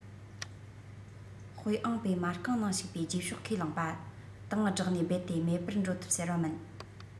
དཔེ ཨང པའི མ རྐང ནང ཞུགས པའི རྗེས ཕྱོགས ཁས བླངས པ དང སྦྲགས ནས རྦད དེ མེད པར འགྲོ ཐུབ ཟེར བ མིན